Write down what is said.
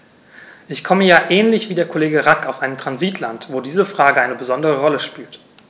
Ich komme ja ähnlich wie der Kollege Rack aus einem Transitland, wo diese Frage eine besondere Rolle spielt.